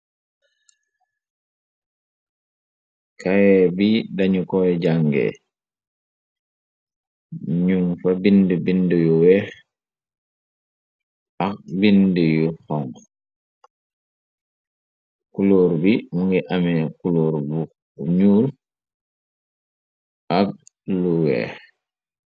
Kaye bi danu koy jangè, nung fa bindi, bindi yu weeh ak bindi yu honku. Kuloor bi mungi ameh kuloor bu ñuul ak lu weeh.